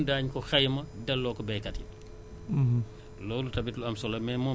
mais li manqué nag ñun daañu ko xayma delloo ko baykat yi